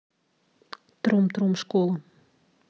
трум трум школа